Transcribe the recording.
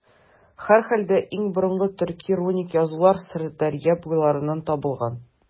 Һәрхәлдә, иң борынгы төрки руник язулар Сырдәрья буйларыннан табылган.